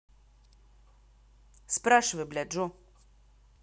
спрашивай блядь джой